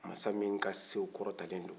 masa min ka sew kɔrɔta le do